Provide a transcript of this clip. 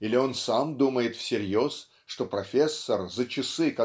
Или он сам думает всерьез что профессор за часы